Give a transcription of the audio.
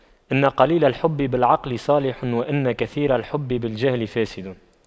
فإن قليل الحب بالعقل صالح وإن كثير الحب بالجهل فاسد